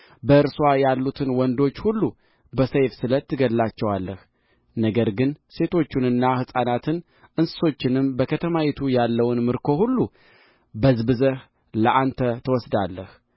በእርስዋ ያሉትን ወንዶች ሁሉ በሰይፍ ስለት ትገድላቸዋለህ ነገር ግን ሴቶቹንና ሕፃናትን እንስሶቹንም በከተማይቱም ያለውን ምርኮ ሁሉ በዝብዘህ ለአንተ ትወስዳለህ